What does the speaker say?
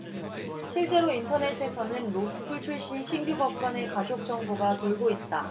실제로 인터넷에는 로스쿨 출신 신규 법관의 가족 정보가 돌고 있다